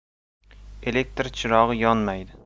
elektr chirog'i yonmaydi